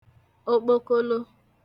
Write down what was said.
okpokolo